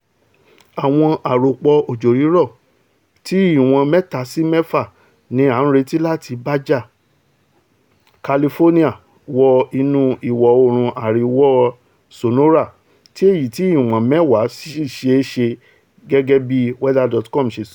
Àwọn àropọ òjò-rírọ̀ ti ìwọn 3 sí 6 ni à ń retí láti Baja California wọ inú ìwọ̀-oòrùn àríwá Sonora tí èyití ìwọ̀n 10 sì ṣeé ṣe. gẹ́gẹ́ bí weather.com ṣe sọ.